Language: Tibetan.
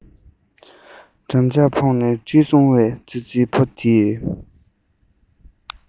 འགྲམ ལྕག ཕོག ནས འགྲིལ སོང བའི ཙི ཙི ཕོ དེས